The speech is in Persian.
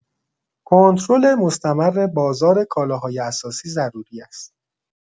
کنترل مستمر بازار کالاهای اساسی ضروری است.